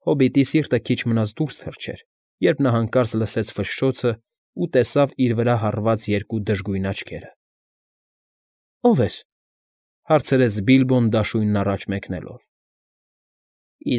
Հոբիտի սիրտը քիչ մնաց դուրս թռչեր, երբ նա հանկարծ լսեց ֆշշոցն ու տեսավ իր վրա հառված երկու դժգույն աչքերը։ ֊ Ո՞վ ես,֊ հարցրեց Բիլբոն՝ դաշույնն առաջ մեկնելով։ ֊